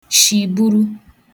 shìburu